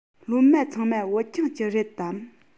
སློབ མ ཚང མ བོད ལྗོངས ཀྱི རེད དམ